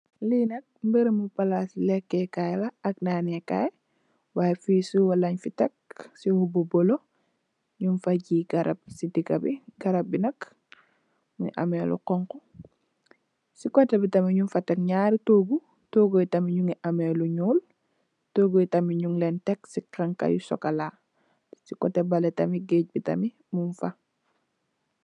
Li nak berembi palaci leke kai la ak naane kai wai si siwo len fi tek siwo bu bulu nyun fa gii garab si diga bi garabi nak mongi ame lu xonxu si kote bi tamit nyun fa tek naari togu togu yi tamit mongi ame lu nuul togu yi nyun len tek si xana yu cxocola si kote bi tamit geeg mung fa.